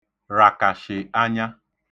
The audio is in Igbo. ràkàshị̀ anya